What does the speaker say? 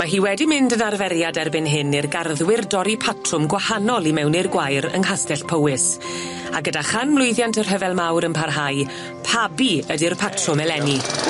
Ma' hi wedi mynd yn arferiad erbyn hyn i'r garddwyr dorri patrwm gwahanol i mewn i'r gwair yng Nghastell Powys a gyda chanmlwyddiant y Rhyfel Mawr yn parhau pabi ydi'r patrwm eleni.